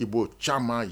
I b'o caman ye